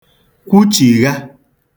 kwuchigha